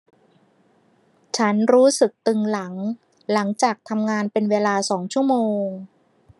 ฉันรู้สึกตึงหลังหลังจากทำงานเป็นเวลาสองชั่วโมง